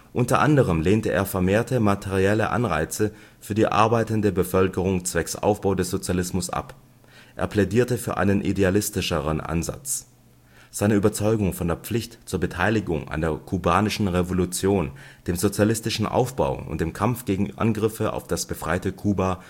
Unter anderem lehnte er vermehrte materielle Anreize für die arbeitende Bevölkerung zwecks Aufbau des Sozialismus ab - er plädierte für einen idealistischeren Ansatz. Seine Überzeugung von der Pflicht zur Beteiligung an der kubanischen Revolution, dem sozialistischen Aufbau und dem Kampf gegen Angriffe auf das befreite Kuba